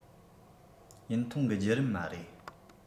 ཡུན ཐུང གི བརྒྱུད རིམ མ རེད